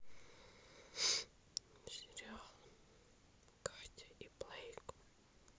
сериал катя и блейк